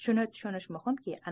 shuni tushunish muhimki